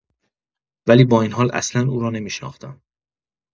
ولی با این حال اصلا او را نمی‌شناختم.